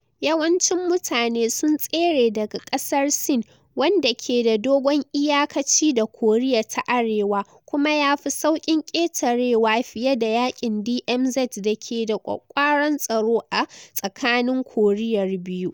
Yawancin mutane sun tsere daga kasar Sin, wanda ke da dogon iyakaci da Koriya ta Arewa kuma ya fi sauƙin ketarewa fiye da yankin (DMZ) dake da kwakwaran tsaro a tsakanin Korear biyu.